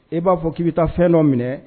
E b'a fɔ k'i taa fɛn dɔ minɛ